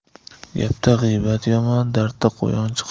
gapda g'iybat yomon dardda quyanchiq